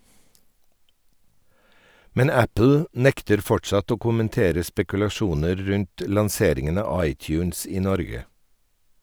Men Apple nekter fortsatt å kommentere spekulasjoner rundt lanseringen av iTunes i Norge.